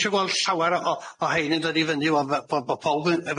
isio gweld llawer o o rhein yn dod i fyny ond ma' bo- bo- bo-